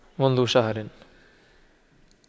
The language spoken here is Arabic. منذ شهر